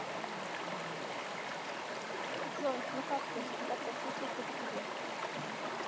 джой ну как ты я так соскучился по тебе